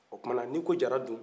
o kuma na ni ko jara dun